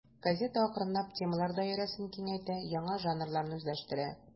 Газета акрынлап темалар даирәсен киңәйтә, яңа жанрларны үзләштерә.